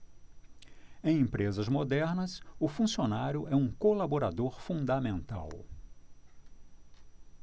em empresas modernas o funcionário é um colaborador fundamental